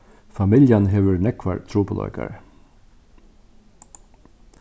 familjan hevur nógvar trupulleikar